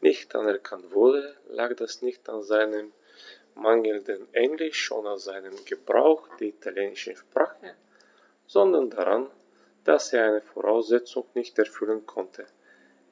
nicht anerkannt wurde, lag das nicht an seinem mangelnden Englisch oder seinem Gebrauch der italienischen Sprache, sondern daran, dass er eine Voraussetzung nicht erfüllen konnte: